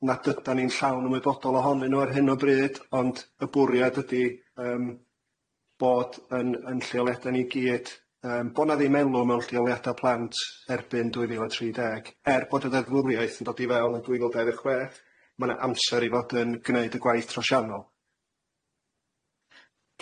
nad ydan ni'n llawn ymwybodol ohonyn nhw ar hyn o bryd ond y bwriad ydi yym bod yn yn lleoliadau ni gyd yym bo' 'na ddim elw mewn lleoliadau plant erbyn dwy fil a tri deg er bod y ddeddfwriaeth yn dod i fewn yn dwy fil dau ddeg chwech ma' 'na amser i fod yn gneud y gwaith trosiannol.